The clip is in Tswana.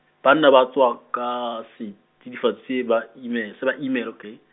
banna ba tswa ka setsidifatsi se ba imel-, se ba imela okay.